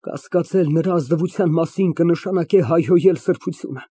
Կասկածել նրա ազնվության մասին, կնշանակե հայհոյել սրբությունը։